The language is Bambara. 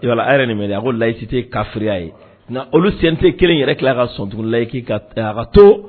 yɛrɛ a ko layisi tɛ kafiya ye olu sen tɛ kelen yɛrɛ tila ka sonurula ka